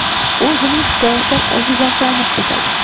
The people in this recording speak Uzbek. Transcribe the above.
u o'zining hikoyasidan o'zi zavqlanib ketadi